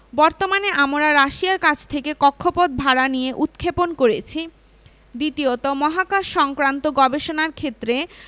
বর্তমানে আমরা রাশিয়ার কাছ থেকে কক্ষপথ ভাড়া নিয়ে উৎক্ষেপণ করেছি দ্বিতীয়ত মহাকাশসংক্রান্ত গবেষণার ক্ষেত্রে